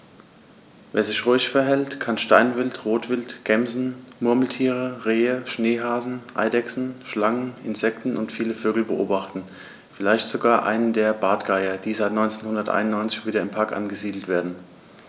Wer sich ruhig verhält, kann Steinwild, Rotwild, Gämsen, Murmeltiere, Rehe, Schneehasen, Eidechsen, Schlangen, Insekten und viele Vögel beobachten, vielleicht sogar einen der Bartgeier, die seit 1991 wieder im Park angesiedelt werden.